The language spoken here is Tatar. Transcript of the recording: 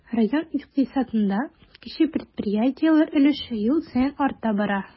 Район икътисадында кече предприятиеләр өлеше ел саен арта бара.